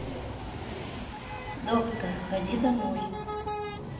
doctor ходи домой